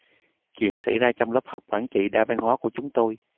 chuyện xảy ra trong lớp học quản trị đa văn hóa của chúng tôi